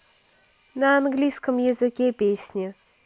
на английском языке песни